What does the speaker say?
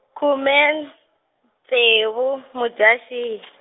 khume , ntsevu Mudyaxihi.